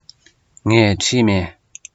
ངས བྲིས མེད